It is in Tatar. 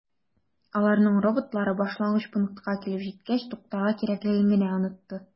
Аларның роботлары башлангыч пунктка килеп җиткәч туктарга кирәклеген генә “онытты”.